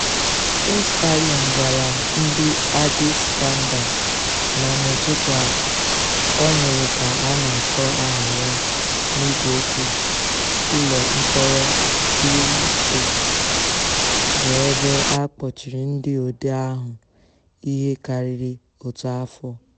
Tesfalem gwara ndị Addis Standard na n'ụtụtụ a, ọ nụrụ ka a na-akpọ aha ya n'igweokwu ụlọmkpọrọ Kilnto, bụ ebe a kpọchiri ndị odee ahụ ihe karịrị otu afọ.